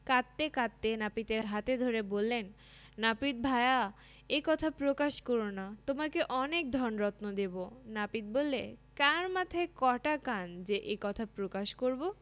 কাঁদতে কাঁদতে নাপিতের হাতে ধরে বললেন নাপিত ভায়া এ কথা প্রকাশ কর না তোমাকে অনেক ধনরত্ন দেব নাপিত বললে কার মাথায় কটা কান যে এ কথা প্রকাশ করব